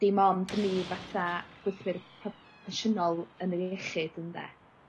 dim ond ni fatha gweithwyr proffesiynol yn iechyd ynde?